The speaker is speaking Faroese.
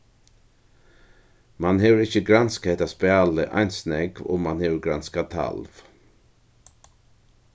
mann hevur ikki granskað hetta spælið eins nógv og mann hevur granskað talv